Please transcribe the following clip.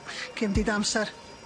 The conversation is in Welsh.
Cym di d' amser.